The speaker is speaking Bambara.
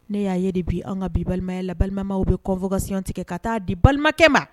Ne y'a de bi, an ka bi balimaya la, balimamanw bɛ convocation tigɛ ka taa di balimakɛ ma.